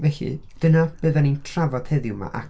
Felly, dyna be dan ni'n trafod heddiw 'ma ac...